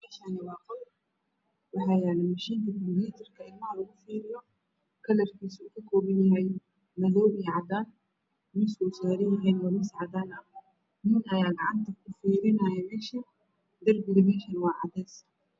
Meshani waa qol waxaa yala mashinka kumbitarka ilmaha lagu firiyo kalrkiisu waa madow iyo cadan miskuu saranyahay waa miis cagar ah nin ayaa gaxanta ku firinaya